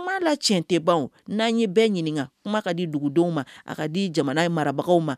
Maa la tiɲɛ tɛban n'a ye bɛɛ ɲininka kuma ka di dugudenw ma a ka di jamana in marabagaw ma